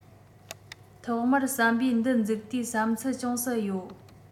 ཐོག མར ཟམ པའི འདི འཛུགས དུས བསམ ཚུལ ཅུང ཟད ཡོད